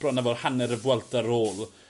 bron a bo hanner y Vuelta ar ôl